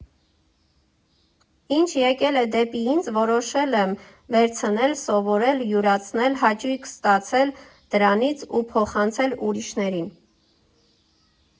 Ինչ եկել է դեպի ինձ, որոշել եմ վերցնել, սովորել, յուրացնել, հաճույք ստացել դրանից ու փոխանցել ուրիշներին։